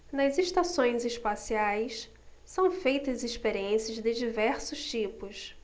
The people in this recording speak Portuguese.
nas estações espaciais são feitas experiências de diversos tipos